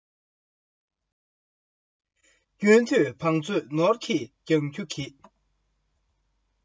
རྒྱུན དུ བང མཛོད ནོར གྱིས བརྒྱང རྒྱུ གྱིས